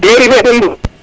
mairie fe